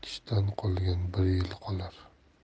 ekishdan qolgan bir yil qolar